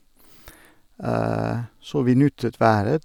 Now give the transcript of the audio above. Så vi nytet været.